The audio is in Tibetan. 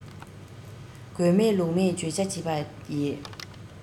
དགོས མེད ལུགས མེད བརྗོད བྱ བྱེད པ ཡི